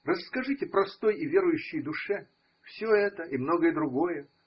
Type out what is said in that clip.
Расскажите простой и верующей душе все это и многое другое.